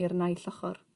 I'r naill ochor.